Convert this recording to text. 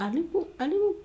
A nin ko Aliyu